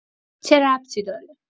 چه ربطی داره